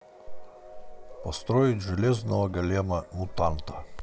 построить железного голема мутанта